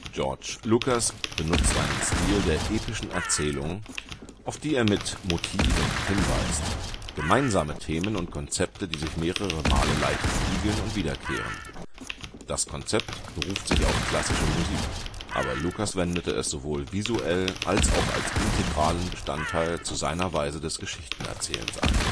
George Lucas benutzt einen Stil der epischen Erzählung, auf die er mit „ Motiven “hinweist: Gemeinsame Themen und Konzepte, die sich mehrere Male leicht spiegeln und wiederkehren. Das Konzept beruft sich auf klassische Musik, aber Lucas wendete es sowohl visuell als auch als integraler Bestandteil zu seiner Weise des Geschichten Erzählens an